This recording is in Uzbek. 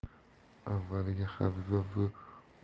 avvaliga habiba buvi oltmishta tuqqani uchun